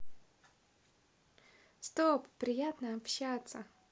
стоп приятно общаться